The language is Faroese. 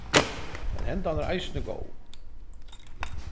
men hendan er eisini góð